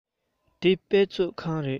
འདི དཔེ མཛོད ཁང རེད